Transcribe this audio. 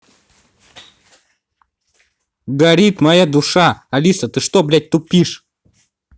горит моя душа алиса ты что блядь тупишь